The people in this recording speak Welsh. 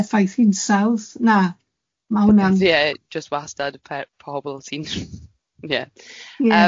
Effaith hi'n sawdd. Na, ma' hwnna'n... Ie, jyst wastad pe- pobol sy'n ie.